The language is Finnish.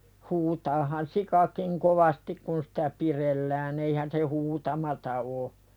huutaahan sikakin kovasti kun sitä pidellään eihän se huutamatta ole